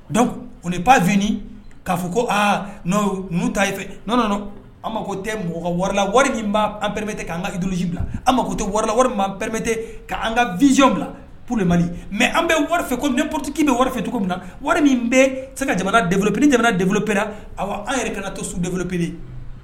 Dɔnku o baf k' fɔ ko aa'o ta fɛ n' an mako tɛ mɔgɔ warila wari anpɛreɛte'an kaki duluji bila an mako tɛ warila warian pɛrepte' an ka vzyɔn bila pur mɛ an bɛ wari fɛ ko mɛ poroteki bɛ wari fɛ cogo min na wari min bɛ se ka jamana depelep ni jamana deoroperera a an yɛrɛ kana to su deoropele